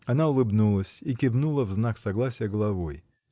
Она улыбнулась и кивнула в знак согласия головой.